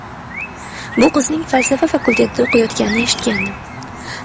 bu qizning falsafa fakultetida o'qiyotganini eshitgandim